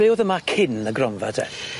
Be' o'dd yma cyn y gronfa de?